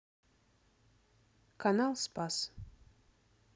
канал спас